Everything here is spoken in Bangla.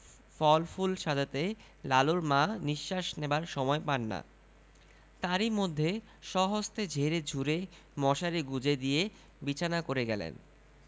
ফল ফুল সাজাতে লালুর মা নিঃশ্বাস নেবার সময় পান না তারই মধ্যে স্বহস্তে ঝেড়েঝুড়ে মশারি গুঁজে দিয়ে বিছানা করে গেলেন